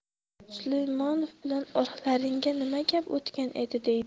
sulaymonov bilan oralaringda nima gap o'tgan edi deydi